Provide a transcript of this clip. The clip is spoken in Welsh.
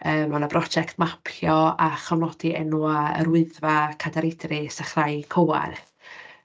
Yym ma' 'na broject mapio a chofnodi enwau yr Wyddfa, Cadair Idris a Chraig Cywarth.